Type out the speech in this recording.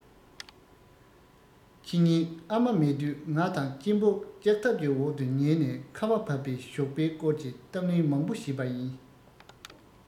ཕྱི ཉིན ཨ མ མེད དུས ང དང གཅེན པོ ལྕགས ཐབ ཀྱི འོག ཏུ ཉལ ནས ཁ བ བབས པའི ཞོགས པའི སྐོར གྱི གཏམ གླེང མང པོ བྱས པ ཡིན